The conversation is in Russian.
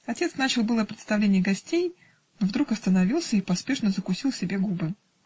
отец начал было представление гостей, но вдруг остановился и поспешно закусил себе губы.